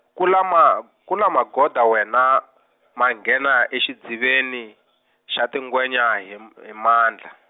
kula ma, kula Magoda wena, manghena exidziveni, xa tingwenya hi m-, hi mandla.